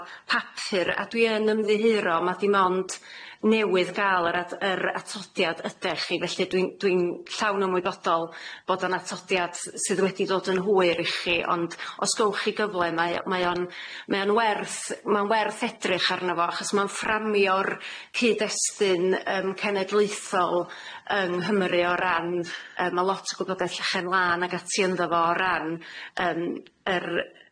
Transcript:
papur a dwi yn ymddiheuro ma dim ond newydd gal yr at- yr atodiad ydech chi felly dwi'n dwi'n llawn ymwybodol bod o'n atodiad sydd wedi dod yn hwyr i chi ond os gywch chi gyfle mae o mae o'n mae o'n werth ma'n werth edrych arno fo achos ma'n fframio'r cyd-destun yym cenedlaethol yng Nghymru o ran y- ma' lot o gwybodaeth llechen lan ag ati ynddo fo o ran yym yr